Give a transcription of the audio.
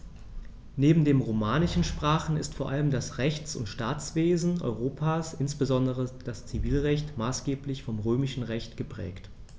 Neben den romanischen Sprachen ist vor allem das Rechts- und Staatswesen Europas, insbesondere das Zivilrecht, maßgeblich vom Römischen Recht geprägt.